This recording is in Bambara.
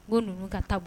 Ko ninnu ka ta